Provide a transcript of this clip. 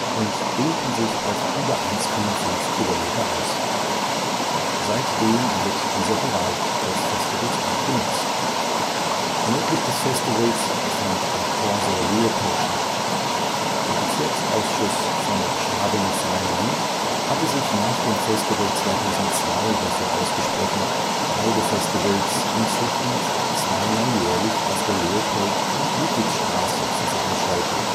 und dehnten sich auf über 1,5 Kilometer aus. Seitdem wird dieser Bereich als Festivalsort genutzt. Nördlich des Festivals fand der Corso Leopold statt. Der Bezirksausschuss von Schwabing-Freimann hatte sich nach dem Festival 2002 dafür ausgesprochen, beide Festivals in Zukunft zweimal jährlich auf der Leopold - und Ludwigsstraße zu veranstalten